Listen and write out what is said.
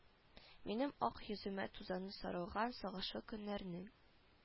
Минем ак йөземә тузаны сарылган сагышлы көннәрнең